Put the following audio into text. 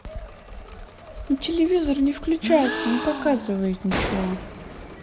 но телевизор не включается не показывает ничего